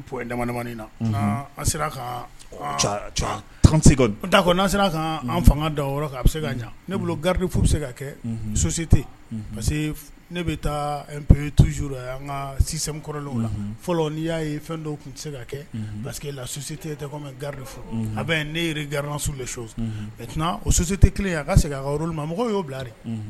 Sera fanga da bɛ se ka ne bolo gari bɛ se ka kɛsi parce ne bɛ taap tu an ka si kɔrɔlaw la fɔlɔ n'i y'a ye fɛn dɔw tun se ka kɛ paseke la sosi tɛ tɛ garir fo a bɛ ne garsiw de so o sosi tɛ kelen a ka segin a ka olu ma mɔgɔ y'o bilare